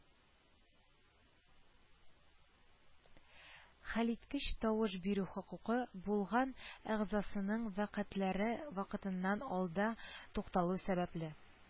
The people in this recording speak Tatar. Хәлиткеч тавыш бирү хокукы булган әгъзасының вәкаләтләре вакытыннан алда тукталу сәбәпле,